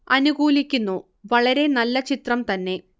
അനുകൂലിക്കുന്നു വളരെ നല്ല ചിത്രം തന്നെ